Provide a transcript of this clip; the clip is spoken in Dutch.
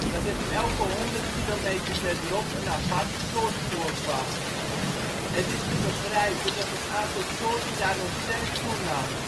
dat er elke honderd kilometer verderop een aparte soort voorkwam. Het is te begrijpen dat het aantal soorten daardoor sterk toenam